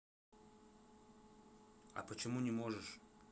а почему не можешь